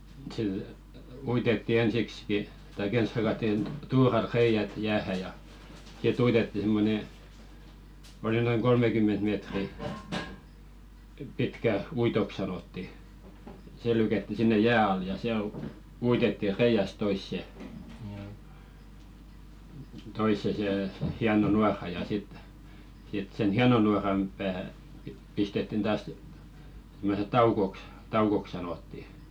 - uitettiin ensiksikin tai ensin hakattiin tuuralla reiät jäähän ja sitten uitettiin semmoinen oli noin kolmekymmentä metriä pitkä uitoksi sanottiin se lykättiin sinne jään alle ja siellä - uitettiin reiästä toiseen toiseen se hieno nuora ja sitten sitten sen hienon nuoran pää - pistettiin taas semmoisen taukoksi taukoksi sanottiin